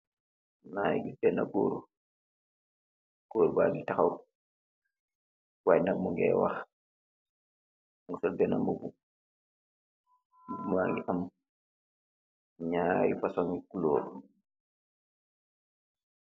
Mageh giss bena goor goor bagi taxaw wayy nak mogeh wax mo deff bena mbubu mbubu bagi aam naari fosoon gi colur.